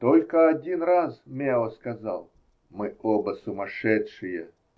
Только один раз Мео сказал: "Мы оба сумасшедшие.